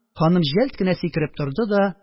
Ханым җәлт кенә сикереп торды да